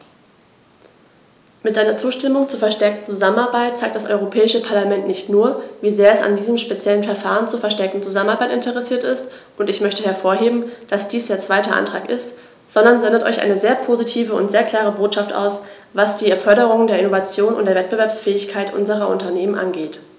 Mit seiner Zustimmung zur verstärkten Zusammenarbeit zeigt das Europäische Parlament nicht nur, wie sehr es an diesem speziellen Verfahren zur verstärkten Zusammenarbeit interessiert ist - und ich möchte hervorheben, dass dies der zweite Antrag ist -, sondern sendet auch eine sehr positive und sehr klare Botschaft aus, was die Förderung der Innovation und der Wettbewerbsfähigkeit unserer Unternehmen angeht.